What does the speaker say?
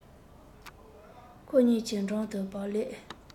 ཁོ གཉིས ཀྱི འགྲམ དུ བག ལེབ